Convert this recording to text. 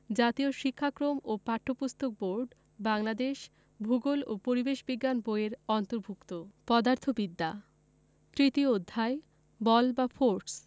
জাতীয় শিক্ষাক্রম ও পাঠ্যপুস্তক বোর্ড বাংলাদেশ ভূগোল ও পরিবেশ বিজ্ঞান বই এর অন্তর্ভুক্ত ১৫ পদার্থবিদ্যা তৃতীয় অধ্যায় বল বা ফোরস